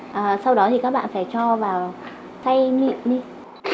ờ sau đó thì các bạn phải cho vào xay nhịn